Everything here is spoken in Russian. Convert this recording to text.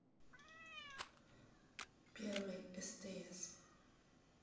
первый стс